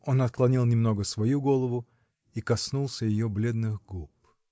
Он отклонил немного свою голову и коснулся ее бледных губ.